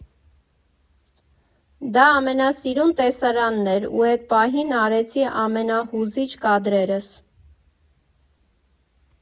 Դա ամենասիրուն տեսարանն էր, ու էդ պահին արեցի ամենահուզիչ կադրերս։